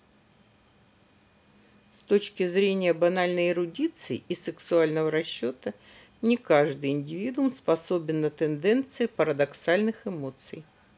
с точки зрения банальной эрудиции из сексуального расчета не каждый индивидум способен на тенденции парадоксальных эмоций